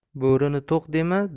bo'rini to'q dema